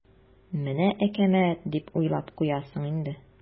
"менә әкәмәт" дип уйлап куясың инде.